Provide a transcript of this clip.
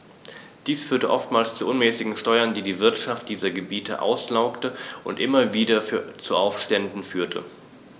Dies führte zu oftmals unmäßigen Steuern, die die Wirtschaft dieser Gebiete auslaugte und immer wieder zu Aufständen führte.